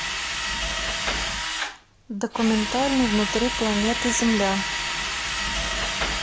документальный внутри планеты земля